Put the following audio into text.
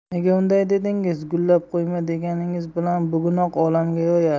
nega unday dedingiz gullab qo'yma deganingiz bilan bugunoq olamga yoyar